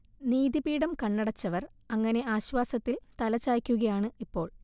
നീതി പീഠം കണ്ണടച്ചവർ അങ്ങനെ ആശ്വാസത്തിൽ തലചായ്ക്കുകയാണ് ഇപ്പോൾ